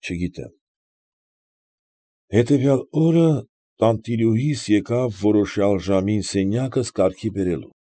Չգիտեմ։ Հետևյալ օրը տանտիրուհիս եկավ որոշյալ ժամին սենյակս կարգի բերելու։